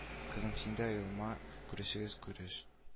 Кызым син дә оялма күрешегез күреш